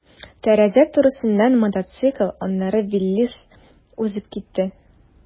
Тәрәзә турысыннан мотоцикл, аннары «Виллис» узып китте.